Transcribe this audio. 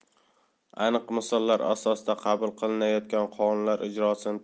aniq misollar asosida qabul qilinayotgan qonunlar ijrosini